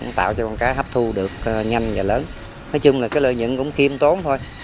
tạo cho con cá hấp thu được nhanh và lớn nói chung là cái lợi nhuận cũng khiêm tốn thôi